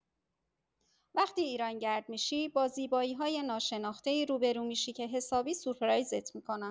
وقتی ایرانگرد می‌شی، با زیبایی‌های ناشناخته‌ای روبرو می‌شی که حسابی سورپرایزت می‌کنن.